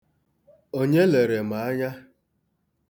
Onye lere m anya?